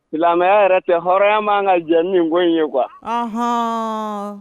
Silamɛya yɛrɛ tɛ hɔrɔnya man ka jɛ min ko ye wa